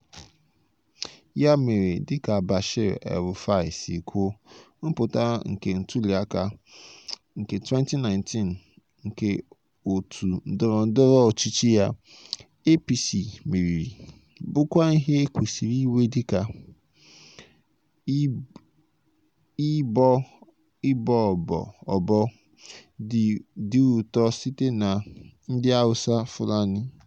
Ya mere, dịka Bashir El-Rufai si kwuo, mpụtara nke ntụliaka nke 2019 nke òtù ndọrọ ndọrọ ọchịchị ya, APC, meriri, bụkwa ihe e kwesịrị iwe dị ka "ịbọ ọbọ" dị ụtọ site na ndị Awụsa, Fulani.